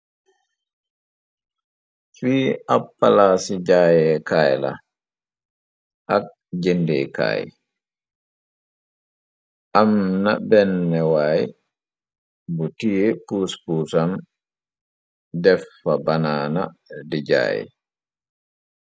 si ab pala ci jaaye kaay la ak jëndekaay amna bennewaay bu tie pus-puusam def fa banana di jaay.